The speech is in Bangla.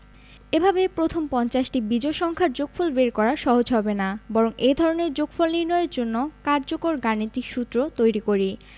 এভাবে প্রথম পঞ্চাশটি বিজোড় সংখ্যার যোগফল বের করা সহজ হবে না বরং এ ধরনের যোগফল নির্ণয়ের জন্য কার্যকর গাণিতিক সূত্র তৈরি করি